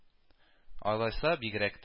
Алайса, бигрәк тә